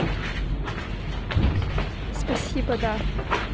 спасибо да